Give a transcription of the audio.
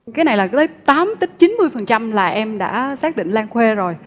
cái này là có tới tám đến chín mươi phần trăm là em đã xác định lan khuê rồi